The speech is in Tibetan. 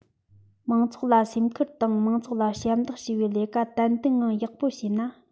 མང ཚོགས ལ སེམས ཁུར དང མང ཚོགས ལ ཞབས འདེགས ཞུ བའི ལས ཀ ཏན ཏིག ངང ཡག པོ བྱས ན